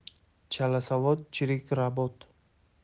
chalasavod chirik rabot